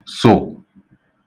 sụ̀